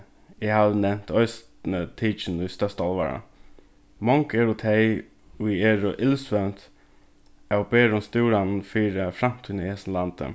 eg havi nevnt eisini tikin í størsta álvara mong eru tey ið eru illsvøvnt av berum stúranum fyri framtíðini í hesum landi